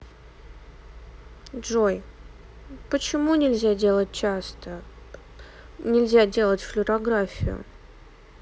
джой почему нельзя делать часто нельзя делать флюорографию